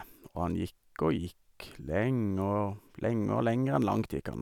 Og han gikk og gikk, lenge og lenge og lenger enn langt gikk han.